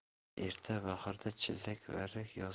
erta bahorda chillak varrak yozda